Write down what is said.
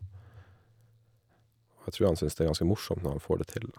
Og jeg tror han synes det er ganske morsomt når han får det til, da.